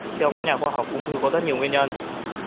theo các nhà khoa học ung thư có rất nhiều nguyên nhân